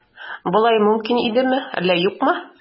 Болай мөмкин идеме, әллә юкмы?